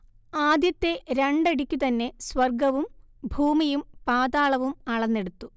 ആദ്യത്തെ രണ്ടടിക്കു തന്നെ സ്വർഗ്ഗവും ഭൂമിയും പാതാളവും അളന്നെടുത്തു